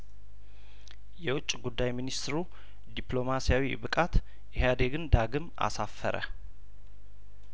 የውጪ ጉዳይሚኒስትሩ ዲፕሎማሲያዊ ብቃት ኢህአዴግን ዳግም አሳፈረ